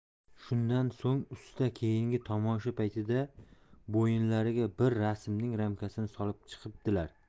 shundan so'ng usta keyingi tomosha paytida bo'yinlariga bir rasmning ramkasini solib chiqibdilar